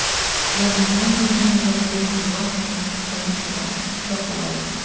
Янымдамы икән дигәндәй, Нурулла хатынының чәчен сыйпады, кочаклап алды.